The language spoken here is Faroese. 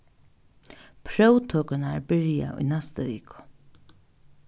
próvtøkurnar byrja í næstu viku